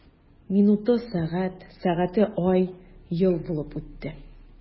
Минуты— сәгать, сәгате— ай, ел булып үтте.